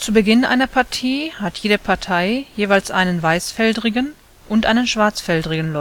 Beginn einer Partie hat jede Partei jeweils einen weißfeldrigen und einen schwarzfeldrigen